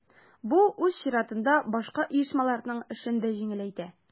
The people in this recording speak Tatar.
Бу үз чиратында башка оешмаларның эшен дә җиңеләйтә.